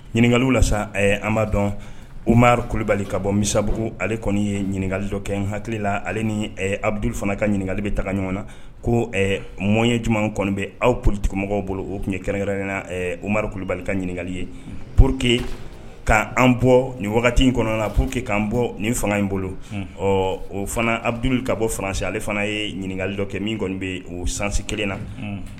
Ɲininkakali la an b' dɔn omaru kulubali ka bɔ misabugu ale kɔni ye ɲininkakali dɔ kɛ hakili la ale ni abudu fana ka ɲininkali bɛ taga ɲɔgɔn na ko mɔn ye jumɛn kɔni bɛ aw pocogomɔgɔw bolo o tun ye kɛrɛnkɛrɛny na omaru kulubali ka ɲininkakali ye pour que'an bɔ nin wagati in kɔnɔna pur que k'an bɔ nin fanga in bolo ɔ o fanabudu ka bɔ fana ale fana ye ɲininkakali dɔ kɛ min kɔni bɛ o sansi kelen na